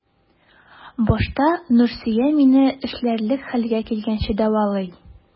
Башта Нурсөя мине эшләрлек хәлгә килгәнче дәвалый.